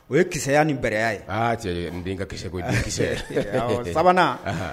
O ye kisɛya ni baraya ye n den ka kisɛ koyi ki sabanan